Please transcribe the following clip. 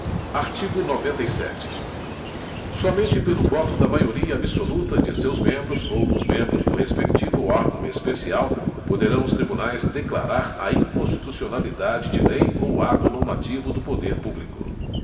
artigo noventa e sete somente pelo voto da maioria absoluta de seus membros ou dos membros do respectivo órgão especial poderão os tribunais declarar a inconstitucionalidade de lei ou ato normativo do poder público